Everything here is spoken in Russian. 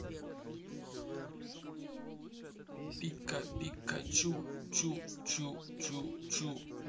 пика пикачу чу чу чу чу